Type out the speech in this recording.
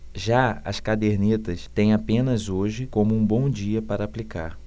já as cadernetas têm apenas hoje como um bom dia para aplicar